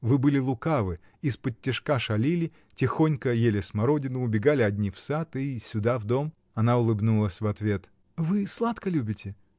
вы были лукавы, исподтишка шалили, тихонько ели смородину, убегали одни в сад и сюда, в дом. Она улыбнулась в ответ. — Вы сладко любите?